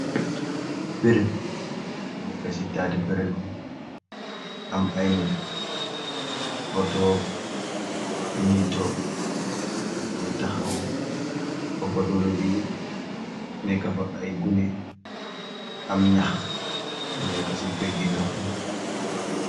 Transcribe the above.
Bereb bu nekka ci taati perer yi, am ay nit yu fotook, niito ñée taxaw, oppa doole bi yépp nekka fa ay gune, am ñax bu nekka ci péggi ndox bi.